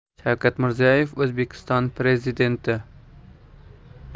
shavkat mirziyoyev o'zbekiston prezidenti